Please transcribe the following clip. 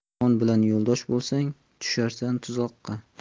yomon bilan yo'ldosh bo'lsang tusharsan tuzoqqa